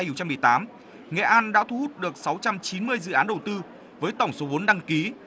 không trăm mười tám nghệ an đã thu hút được sáu trăm chín mươi dự án đầu tư với tổng số vốn đăng ký